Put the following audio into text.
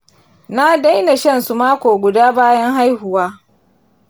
na daina shan su mako guda bayan haihuwa.